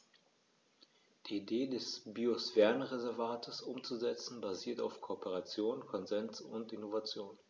Die Idee des Biosphärenreservates umzusetzen, basiert auf Kooperation, Konsens und Innovation.